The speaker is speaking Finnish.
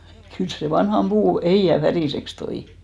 kyllä se vanhan puun ehjän väriseksi toi